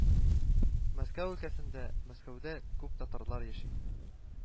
Мәскәү өлкәсендә, Мәскәүдә күп татарлар яши